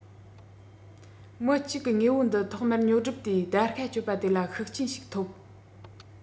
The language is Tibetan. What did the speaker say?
མི གཅིག གིས དངོས པོ འདི ཐོག མར ཉོ སྒྲུབ དུས བརྡར ཤ གཅོད པ དེ ལ ཤུགས རྐྱེན ཞིག ཐོབ